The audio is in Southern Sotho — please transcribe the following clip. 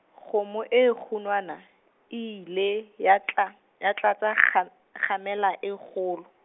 kgomo e kgunwana, e ile ya tla, ya tlatsa kga m-, kga mela e kgolo.